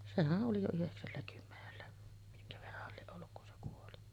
sehän oli jo yhdeksälläkymmenellä minkä verranhan lie ollut kun se kuoli